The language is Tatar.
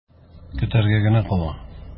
Көтәргә генә кала.